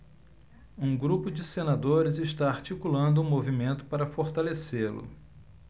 um grupo de senadores está articulando um movimento para fortalecê-lo